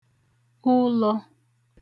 ụlọ̄